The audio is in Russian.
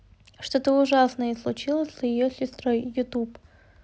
что ужасное случилось с ее сестрой youtube